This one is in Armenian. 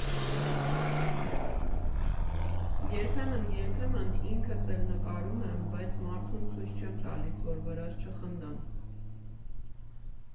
Երբեմն֊երբեմն ինքս էլ նկարում եմ, բայց մարդու ցույց չեմ տալիս, որ վրաս չխնդան։